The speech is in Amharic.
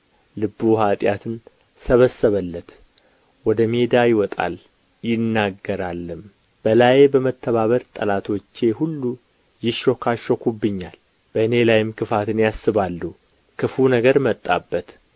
ልቡ ኃጢአትን ሰበሰበለት ወደ ሜዳ ይወጣል ይናገራልም በላዬ በመተባበር ጠላቶቼ ሁሉ ይሾካሾኩብኛል በእኔ ላይም ክፋትን ያስባሉ ክፉ ነገር መጣበት